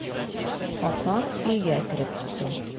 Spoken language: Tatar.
Апа өйгә кереп китә.